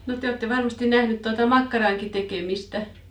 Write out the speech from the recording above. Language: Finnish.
no te olette varmasti nähnyt tuota makkarankin tekemistä